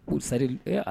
K sari